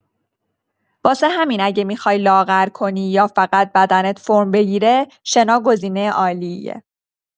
واسه همین اگه می‌خوای لاغر کنی یا فقط بدنت فرم بگیره، شنا گزینه عالیه.